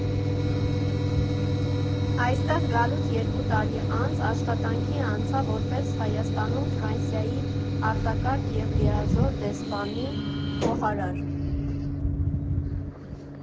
Այստեղ գալուց երկու տարի անց աշխատանքի անցա՝ որպես Հայաստանում Ֆրանսիայի արտակարգ և լիազոր դեսպանի խոհարար։